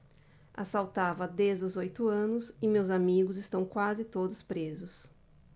assaltava desde os oito anos e meus amigos estão quase todos presos